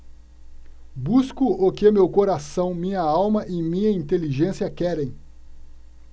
busco o que meu coração minha alma e minha inteligência querem